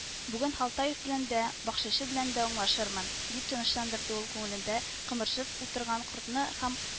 Бүген Халтаев белән дә, бакчачы белән аңлашырмын, дип тынычландырды ул күңелендә кымырҗып утырган кортны һәм